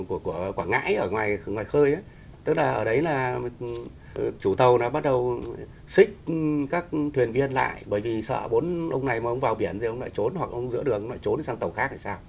của của quảng ngãi ở ngoài ở ngoài khơi ấy tức là ở đấy là chủ tàu đã bắt đầu xích các thuyền viên lại bởi vì sợ bốn ông này ông ấy vào biển thì ông lại trốn hoặc ông giữa đường trốn sang tàu khác thì sao